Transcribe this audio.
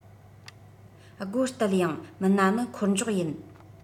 སྒོ གཏད ཡང མིན ན ནི འཁོར འཇོག ཡིན